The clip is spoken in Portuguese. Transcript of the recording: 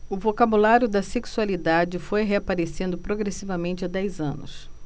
o vocabulário da sexualidade foi reaparecendo progressivamente há dez anos